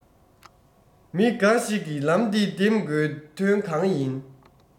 མི འགའ ཞིག གིས ལམ འདི འདེམ དགོས དོན གང ཡིན